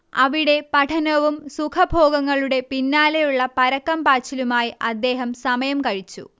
അവിടെ പഠനവും സുഖഭോഗങ്ങളുടെ പിന്നാലെയുള്ള പരക്കം പാച്ചിലുമായ് അദ്ദേഹം സമയം കഴിച്ചു